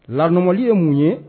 Lamli ye mun ye